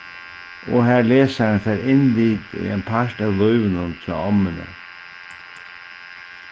og har lesarin fær innlit í ein part av lívinum hjá ommuni